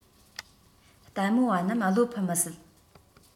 ལྟད མོ བ རྣམ བློ ཕམ མི སྲིད